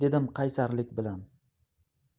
dedim qaysarlik bilan